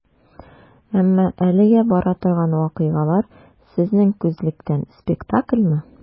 Әмма әлегә бара торган вакыйгалар, сезнең күзлектән, спектакльмы?